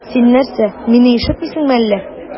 Син нәрсә, мине ишетмисеңме әллә?